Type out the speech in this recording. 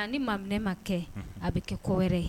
Nka ni maminɛ ma kɛ a bɛ kɛ kɔ wɛrɛ ye